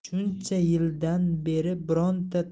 shuncha yildan beri bironta